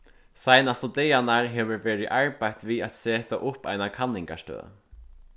seinastu dagarnar hevur verið arbeitt við at seta upp eina kanningarstøð